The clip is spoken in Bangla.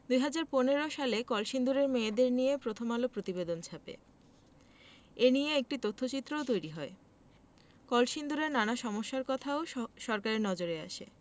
২০১৫ সালে কলসিন্দুরের মেয়েদের নিয়ে প্রথম আলো প্রতিবেদন ছাপে এ নিয়ে একটি তথ্যচিত্রও তৈরি করা হয় কলসিন্দুরের নানা সমস্যার কথাও সরকারের নজরে আসে